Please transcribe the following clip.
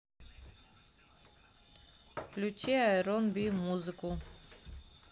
включи айрон би музыку